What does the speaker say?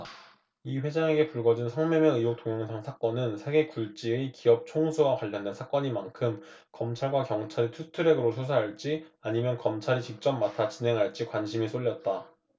이 회장에게 불거진 성매매 의혹 동영상 사건은 세계 굴지의 기업 총수와 관련된 사건인 만큼 검찰과 경찰이 투트랙으로 수사할지 아니면 검찰이 직접 맡아 진행할지 관심이 쏠렸다